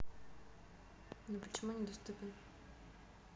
но почему недоступен